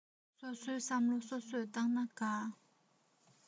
སོ སོའི བསམ བློ སོ སོས བཏང ན དགའ